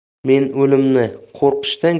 men o'limni qo'rqishdan